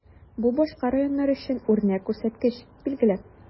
Бу башка районнар өчен үрнәк күрсәткеч, билгеле.